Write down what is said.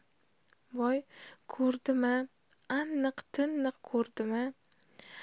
voy ko'rdim a aniq taniq ko'rdim a